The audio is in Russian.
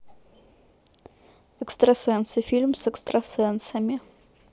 экстрасенсы фильм с экстрасенсами